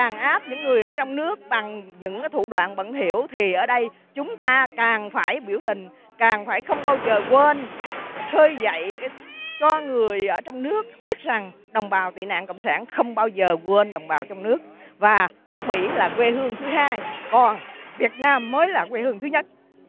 đàn áp những người ở trong nước bằng những cái thủ đoạn bẩn thỉu thì ở đây chúng ta càng phải biểu tình càng phải không bao giờ quên khơi dậy cho người ở trong nước biết rằng đồng bào tị nạn cộng sản không bao giờ quên đồng bào trong nước và nước mỹ là quê hương thứ hai còn việt nam mới là quê hương thứ nhất